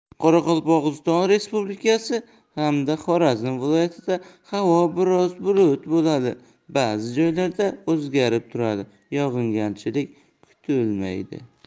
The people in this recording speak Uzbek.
qoraqalpog'iston respublikasi hamda xorazm viloyatida havo biroz bulutli bo'ladi ba'zi joylarda o'zgarib turadi yog'ingarchilik kutilmaydi